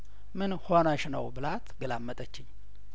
ምን ሆነሽ ነው ብላት ገላምጠችኝ